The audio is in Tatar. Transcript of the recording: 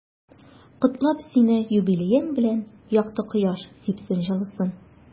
Котлап сине юбилеең белән, якты кояш сипсен җылысын.